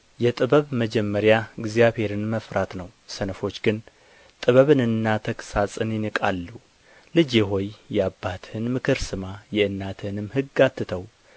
የጥበብ መጀመሪያ እግዚአብሔርን መፍራት ነው ሰነፎች ግን ጥበብንና ተግሣጽን ይንቃሉ ልጄ ሆይ የአባትህን ምክር ስማ የእናንትህንም ሕግ አትተው